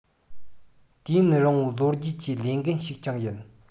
དུས ཡུན རིང བའི ལོ རྒྱུས ཀྱི ལས འགན ཞིག ཀྱང ཡིན